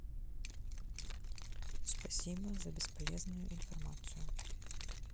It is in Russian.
спасибо за бесполезную информацию